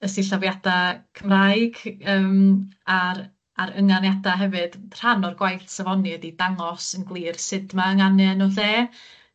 Y sillafiada Cymraeg yym a'r a'r ynganiada' hefyd, rhan o'r gwaith safoni ydi dangos yn glir sut ma' ynganu enw lle